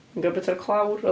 Oedd o'n gorfod byta clawr?